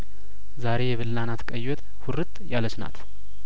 ዛሬ የበላናት ቀይወጥ ሁርጥ ያለችናት